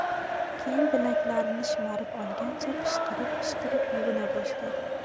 keyin bilaklarini shimarib olgancha pishqirib pishqirib yuvina boshladi